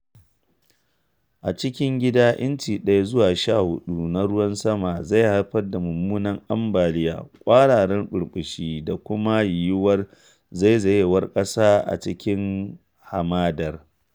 A cikin gida, inci 1 zuwa 14 na ruwan sama zai haifar da mummunan ambaliya, kwararar ɓurɓushi da kuma yiwuwar zaizayar ƙasa a cikin hamadar.